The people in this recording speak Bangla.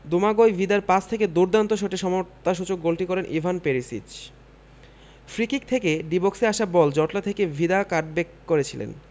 দোমাগয় ভিদার পাস থেকে দুর্দান্ত শটে সমতাসূচক গোলটি করেন ইভান পেরিসিচ ফ্রিকিক থেকে ডি বক্সে আসা বল জটলা থেকে ভিদা কাটব্যাক করেছিলেন